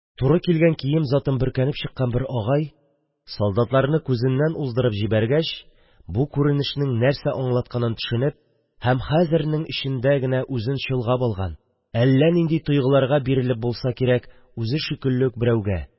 Туры килгән беренче кием затын бөркәнеп чыккан бер агай, солдатларны күздән уздырып җибәргәч, бу күренешнең нәрсә аңлатканын төшенеп һәм хәзернең эчендә генә үзен чолгап алган әллә нинди тойгыларга бирелеп булса кирәк, үзе шикелле үк берәүгә: